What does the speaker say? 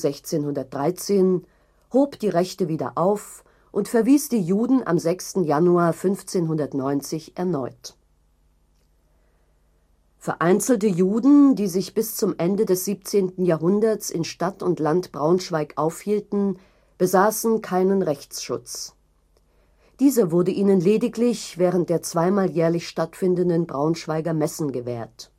† 1613) hob die Rechte wieder auf und verwies die Juden am 6. Januar 1590 erneut. Vereinzelte Juden, die sich bis zum Ende des 17. Jahrhunderts in Stadt und Land Braunschweig aufhielten, besaßen keinen Rechtsschutz. Dieser wurde ihnen lediglich während der zweimal jährlich stattfindenden Braunschweiger Messen gewährt